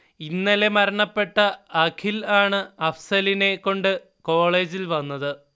ഇന്നലെ മരണപ്പെട്ട അഖിൽ ആണ് അഫ്സലിനെ കൊണ്ട് കോളേജിൽ വന്നത്